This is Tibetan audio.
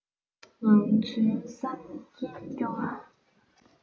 ངང ཚུལ བསམ གྱིན སྐྱོ བ